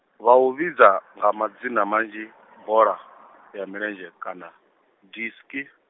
vha u vhidza nga madzina manzhi, boḽa ya milenzhe kana, diski.